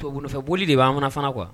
Fɛ bolioli de bɛ'mana fana kuwa